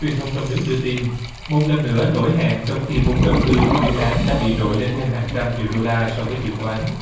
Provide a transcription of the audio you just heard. truyền thông trong nước đưa tin một lần nữa lỗi hẹn trong khi vốn đầu tư của dự án đã bị đội lên thêm hàng trăm triệu đô la so với dự toán